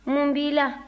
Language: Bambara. mun b'i la